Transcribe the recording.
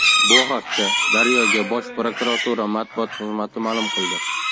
bu haqda daryo ga bosh prokuratura matbuot xizmati ma'lum qildi